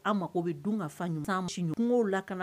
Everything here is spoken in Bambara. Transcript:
Aw mako bɛ dun ka fa misikun lak